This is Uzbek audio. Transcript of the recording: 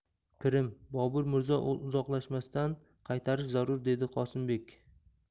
pirim bobur mirzo uzoqlashmasdan qaytarish zarur dedi qosimbek